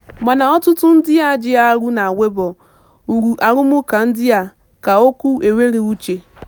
Mana ọtụtụ ndị njiarụ na Weibo hụrụ arụmụka ndị a ka okwu n'enweghị uche.